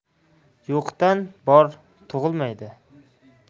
yo'qdan bor tug'ilmaydi